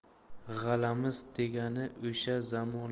g'alamis degani o'sha